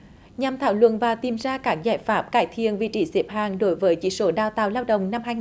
nhằm thảo luận và tìm ra các giải pháp cải thiện vị trí xếp hạng đối với chỉ số đào tạo lao động năm hai